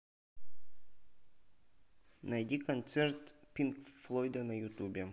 найди концерт пинк флойда на ютубе